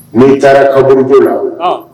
Ne taara kabko la